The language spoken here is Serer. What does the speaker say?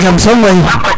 jam som waay